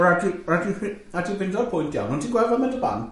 Wna i ti wna i ti ff- wna i ti fynd o'r pwynt iawn, ond ti'n gweld fel ma'n dy bant?